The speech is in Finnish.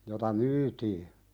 jota myytiin